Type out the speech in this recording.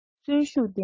གསོན ཤུགས ལྡན པ